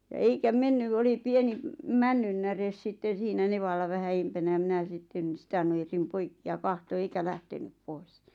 ja eikä mennyt oli pieni männynnäre sitten siinä nevalla vähän edempänä ja minä sitten sitä nujersin poikki ja katsoin eikä lähtenyt pois